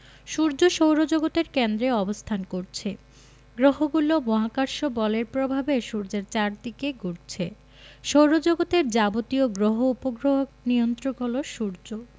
সূর্য সৌরজগতের কেন্দ্রে অবস্থান করছে গ্রহগুলো মহাকর্ষ বলের প্রভাবে সূর্যের চারদিকে ঘুরছে সৌরজগতের যাবতীয় গ্রহ উপগ্রহ নিয়ন্ত্রক হলো সূর্য